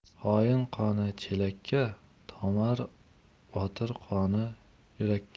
xoin qoni chelakka tomar botir qoni yurakka